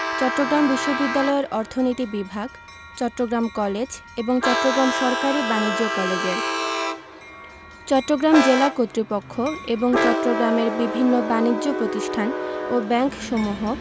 চট্টগ্রাম বিশ্ববিদ্যালয়ের অর্থনীতি বিভাগ চট্টগ্রাম কলেজ এবং চট্টগ্রাম সরকারি বাণিজ্য কলেজের চট্টগ্রাম জেলা কর্তৃপক্ষ এবং চট্টগ্রামের বিভিন্ন বানিজ্য প্রতিষ্ঠান ও ব্যাংকসমূহ